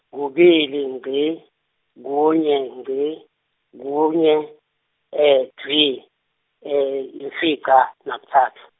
kubili ngci, kunye ngci, kunye, dvwi imfica, nakutsatfu.